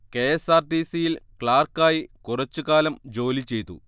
കെഎസ്ആർടിസിയിൽ ക്ലർക്കായ് കുറച്ചു കാലം ജോലി ചെയ്തു